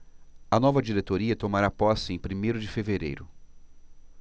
a nova diretoria tomará posse em primeiro de fevereiro